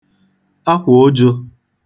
akwà ụjụ̄